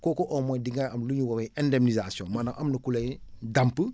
kooku au moins di nga am lu ñuy woowee indemnisation maanaam am na ku lay dàmp